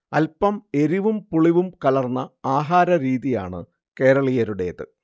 അല്പം എരിവും പുളിവും കലർന്ന ആഹാരരീതിയാണ് കേരളീയരുടേത്